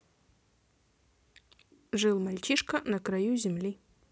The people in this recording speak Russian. жил мальчишка на краю земли